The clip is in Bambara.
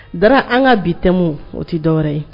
Dara an ka bi thème o ti dɔ wɛrɛ ye